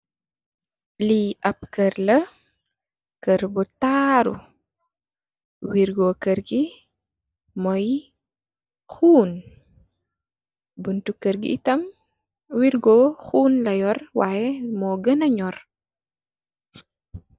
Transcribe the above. Li ap kér la, kèr ngu tarru. Wirgo kèr ngi moy xuun, bunti kèr ngi tam wirgo xuun la yor wayi mogana ñjor.